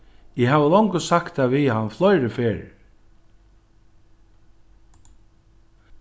eg havi longu sagt tað við hann fleiri ferðir